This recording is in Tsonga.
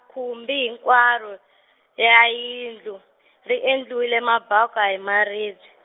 khumbi hinkwaro, ra yindlu , ri endliwile mabakwa hi maribye.